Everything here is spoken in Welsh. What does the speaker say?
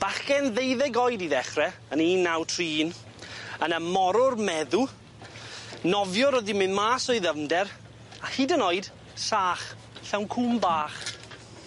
Bachgen ddeuddeg oed i ddechre yn un naw tri un yna morwr meddw nofiwr o'dd 'di myn' mas o'i ddyfnder, a hyd yn oed sach llawn cŵn bach.